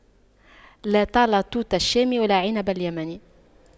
لا طال توت الشام ولا عنب اليمن